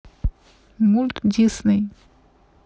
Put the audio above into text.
мульт дисней